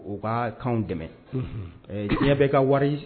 U ka kan dɛmɛ diɲɛ bɛ ka wari